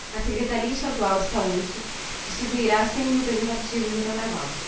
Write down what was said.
a secretaria estadual de saúde distribuirá cem mil preservativos no carnaval